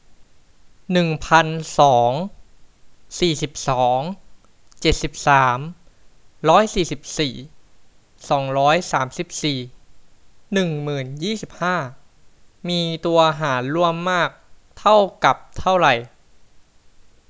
หนึ่งพันสองสี่สิบสองเจ็ดสิบสามหนึ่งร้อยสี่สิบสี่สองร้อยสามสิบสี่หนึ่งหมื่นยี่สิบห้ามีตัวหารร่วมมากเท่ากับเท่าไหร่